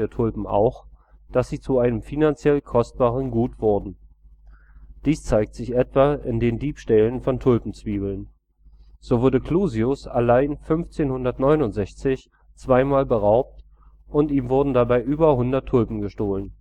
Tulpen auch, dass sie zu einem finanziell kostbaren Gut wurden. Dies zeigt sich etwa in den Diebstählen von Tulpenzwiebeln. So wurde Clusius allein 1569 zweimal beraubt und ihm wurden dabei über 100 Tulpen gestohlen